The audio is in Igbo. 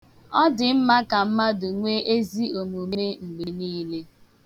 Ọ dị mma ka mmadụ nwee ezi omume mgbe niile.